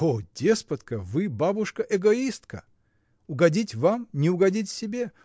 — О деспотка, вы, бабушка, эгоистка! Угодить вам — не угодить себе